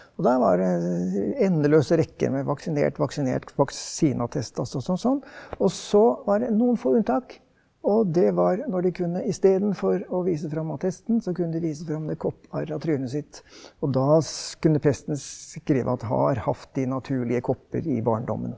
og der var det endeløse rekker med vaksinert, vaksinert, vaksineattest, altså som sånn også var det noen få unntak og det var når de kunne istedenfor å vise fram attesten så kunne de vise fram det kopparra trynet sitt og da kunne presten skrive at har hatt de naturlige kopper i barndommen.